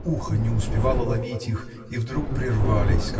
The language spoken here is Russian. ухо не успевало ловить их – и вдруг прервались